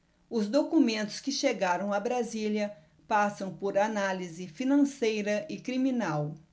os documentos que chegaram a brasília passam por análise financeira e criminal